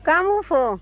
k'an b'u fo